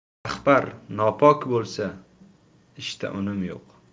rahbar nopok bo'lsa ishda unum yo'q